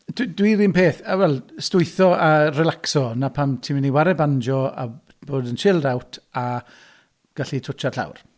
Dw- dwi'r un peth yy wel, ystwytho a relacso 'na pam ti'n mynd i chwarae banjo a b- bod yn chilled out a gallu twtsio'r llawr.